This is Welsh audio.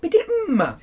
Be 'di'r 'mm' 'ma?